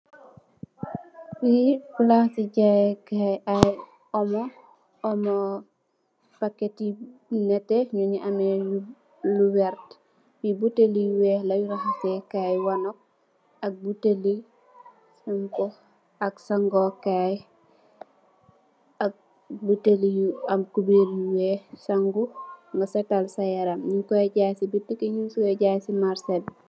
Fi palaas su jaayekaay ay omo, omo pakèt yu nètè mungi ameh lu vert. Buteel yi buteel yu weeh la rahasèkaay wanak ak buteel sangukaay ak buteel yu am cubèr yu weeh sangu mu sètal sa yaram nung koy jaay ci marchè bi.